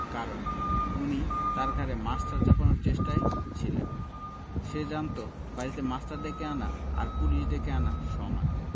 কারণ উনি তার ঘাড়ে মাস্টার চাপানোর চেষ্টায় ছিলেন সে জানত বাড়িতে মাস্টার ডেকে আনা আর পুলিশ ডেকে আনা সমান